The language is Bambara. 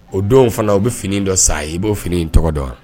O don fana u bɛ fini dɔ sa i b'o fini tɔgɔ dɔn